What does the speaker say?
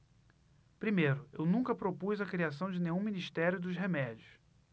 primeiro eu nunca propus a criação de nenhum ministério dos remédios